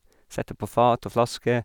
Setter på fat og flaske.